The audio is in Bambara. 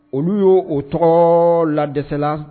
Olu y'o o tɔ la dɛsɛ la